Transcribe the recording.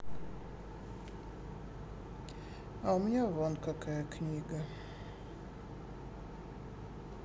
а у меня вон какая книга